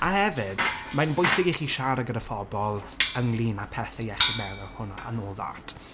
A hefyd, mae'n bwysig i chi siarad gyda phobl, ynglŷn a pethe iechyd meddwl, hwnna, and all that.